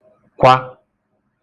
kwa